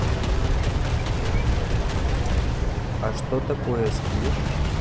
а что такое сквиш